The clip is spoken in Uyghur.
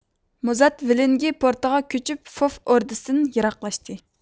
مۇزات ۋىلىنگى پورتىغا كۆچۈپ فوف ئوردىسىدىن يىراقلاشتى